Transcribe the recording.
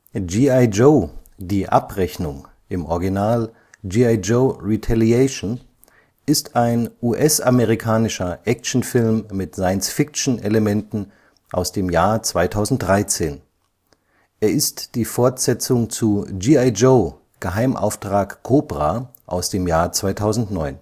G.I. Joe – Die Abrechnung (OT: G.I. Joe: Retaliation) ist ein US-amerikanischer Actionfilm mit Science-Fiction-Elementen aus dem Jahr 2013. Er ist die Fortsetzung zu G.I. Joe – Geheimauftrag Cobra (2009